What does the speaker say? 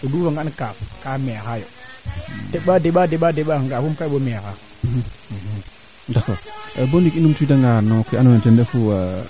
te leyee ndiing ne fagun faak fopa teelo nduuf kaa i nduufa tina den i njege xam xam fee maak we njeng ina to roog waage andeel ke wagoona kay